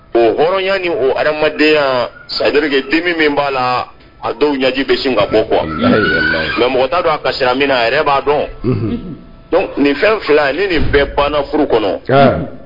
O hɔrɔnya o adamadamadenyajrike dimi min b'a la a dɔw ɲji bɛ sun ka bɔ kɔ mɛ mɔgɔ t'a don a ka sira min na a yɛrɛ b'a dɔn nin fɛn fila ni nin bɛɛ banna furu kɔnɔ